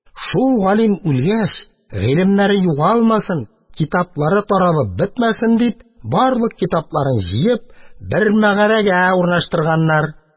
Шул галим үлгәч, гыйлемнәре югалмасын, китаплары таралып бетмәсен дип, барлык китапларны җыеп, бер мәгарәгә урнаштырганнар.